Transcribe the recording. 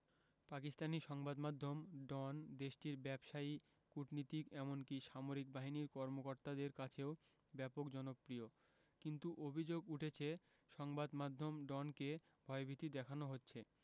পাকিস্তানি সংবাদ মাধ্যম ডন দেশটির ব্যবসায়ী কূটনীতিক এমনকি সামরিক বাহিনীর কর্মকর্তাদের কাছেও ব্যাপক জনপ্রিয় কিন্তু অভিযোগ উঠেছে সংবাদ মাধ্যম ডনকে ভয়ভীতি দেখানো হচ্ছে